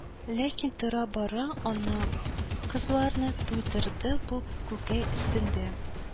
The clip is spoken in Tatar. Ләкин тора-бара ана казларны туйдырды бу күкәй өстендә